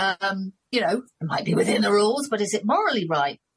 Yym you know might be within the rules but is it morally right?